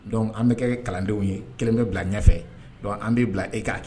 Dɔnk an bɛ kɛ kalandenw ye 1 bɛ bila ɲɛfɛ donk an bɛ bila e k'a